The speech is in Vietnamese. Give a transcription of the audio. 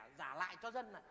trả lại cho dân ạ